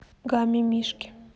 гамми мишки